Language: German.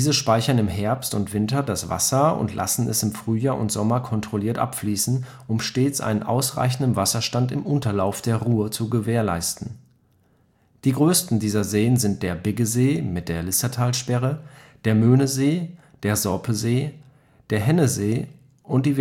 speichern im Herbst und Winter das Wasser und lassen es im Frühjahr und Sommer kontrolliert abfließen, um stets einen ausreichenden Wasserstand im Unterlauf der Ruhr zu gewährleisten. Die größten dieser Seen sind der Biggesee (mit der Listertalsperre), der Möhnesee, der Sorpesee, der Hennesee und die